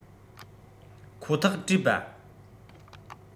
ཁོ ཐག བྲོས པ